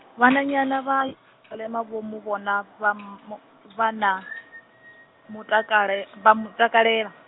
vhananyana vha -salema vho mu vhona vha mo- vha na mutakale-, vha mutakalela.